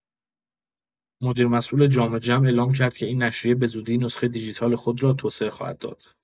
مدیرمسئول جامجم اعلام کرد که این نشریه به‌زودی نسخه دیجیتال خود را توسعه خواهد داد.